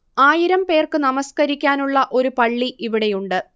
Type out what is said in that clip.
ആയിരം പേർക്ക് നമസ്കരിക്കാനുള്ള ഒരു പള്ളി ഇവിടെയുണ്ട്